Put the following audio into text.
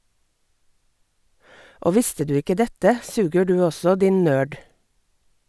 Og visste du ikke dette, suger du også, din nørd!